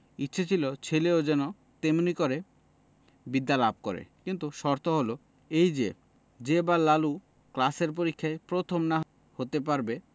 ইচ্ছে ছিল ছেলেও যেন তেমনি করেই বিদ্যা লাভ করে কিন্তু শর্ত হলো এই যে যে বার লালু ক্লাসের পরীক্ষায় প্রথম না হতে পারবে